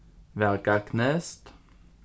væl gagnist